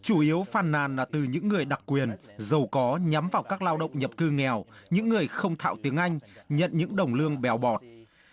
chủ yếu phàn nàn là từ những người đặc quyền giàu có nhắm vào các lao động nhập cư nghèo những người không thạo tiếng anh nhận những đồng lương bèo bọt